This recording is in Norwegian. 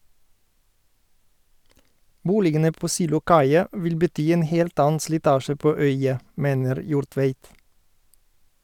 Boligene på Silokaia vil bety en helt annen slitasje på øya, mener Jortveit.